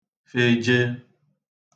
feje